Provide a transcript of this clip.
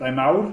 Rai mawr?